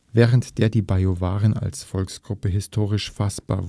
während der die Bajuwaren als Volksgruppe historisch fassbar